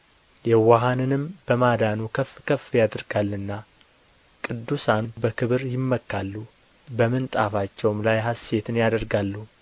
የዋሃንንም በማዳኑ ከፍ ከፍ ያደርጋልና ቅዱሳን በክብር ይመካሉ በምንጣፋቸውም ላይ ሐሤትን ያደርጋሉ